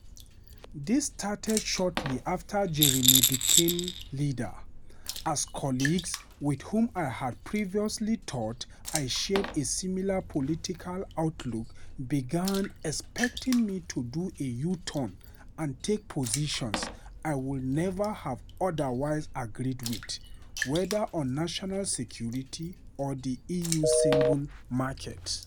This started shortly after Jeremy became leader, as colleagues with whom I had previously thought I shared a similar political outlook began expecting me to do a U-turn and take positions I would never have otherwise agreed with - whether on national security or the EU single market.